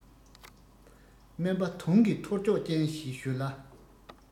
སྨན པ དུང གི ཐོར ཅོག ཅན ཞེས ཞུ ལ